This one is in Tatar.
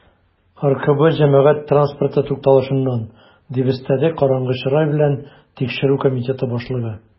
"ркб җәмәгать транспорты тукталышыннан", - дип өстәде караңгы чырай белән тикшерү комитеты башлыгы.